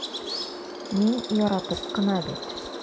Мин яратып кына бит...